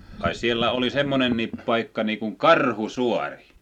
kai siellä oli semmoinenkin paikka niin kuin Karhusaari